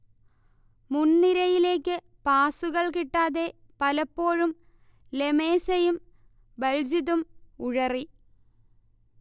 മുൻനിരയിലേക്ക് പാസുകൾ കിട്ടാതെ പലപ്പോഴും ലെമേസയും ബൽജിതും ഉഴറി